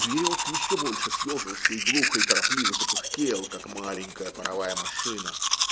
зверек еще больше съежился и глухо и торопливо запыхтел, как маленькая паровая машина.